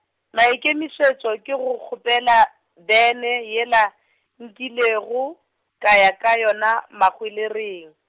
maikemišetšo ke go kgopela, bene yela, nkilego, ka ya ka yona, Mahwelereng.